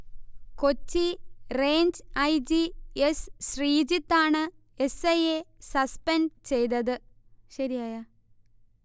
Kochi range I. G., S. ശ്രീജിത്താണ് S. ഐയെ suspend ചെയ്തത്